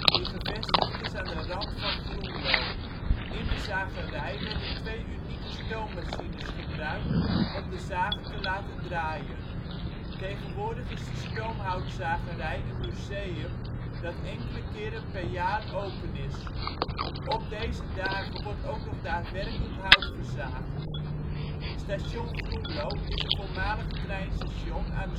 die gevestigd is aan de rand van Groenlo. In de zagerij werden twee unieke stoommachines gebruikt om de zagen te laten draaien. Tegenwoordig is de stoomhoutzagerij een museum dat enkele keren per jaar open is. Op deze dagen wordt ook nog daadwerkelijk hout gezaagd. Station Groenlo is een voormalig treinstation aan